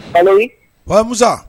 Ayi babasan